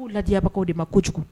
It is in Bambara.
Ko' ladibagawkaw de ma ko kojugu